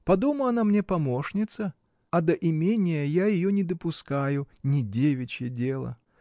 По дому она мне помощница, а до имения я ее не допускаю: не девичье дело!